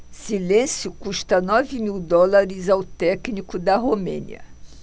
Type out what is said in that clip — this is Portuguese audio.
silêncio custa nove mil dólares ao técnico da romênia